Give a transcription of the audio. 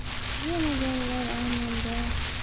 yemaganlar armonda